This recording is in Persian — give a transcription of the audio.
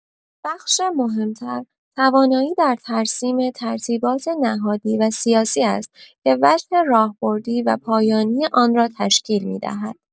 بخش مهم‌تر، توانایی در ترسیم ترتیبات نهادی و سیاسی است که وجه راهبردی و پایانی آن را تشکیل می‌دهد.